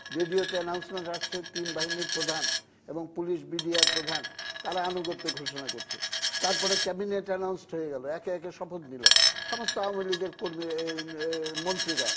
রেডিওতে অ্যানাউন্সমেন্ট আসছে তিন বাহিনীর প্রধান এবং পুলিশ বিডিআর প্রধান তারা আনুগত্য ঘোষণা করছে তারপর ক্যাবিনেট অ্যানাউন্সড হয়ে গেল একে একে শপথ নিল সমস্ত আওয়ামী লীগের কর্মী মন্ত্রীরা